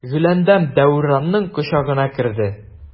Гөләндәм Дәүранның кочагына керде.